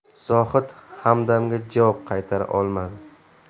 zohid hamdamga javob qaytara olmadi